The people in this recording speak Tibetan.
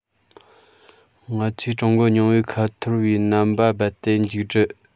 ང ཚོས ཀྲུང གོ རྙིང པའི ཁ ཐོར བའི རྣམ པ རྦད དེ མཇུག བསྒྲིལ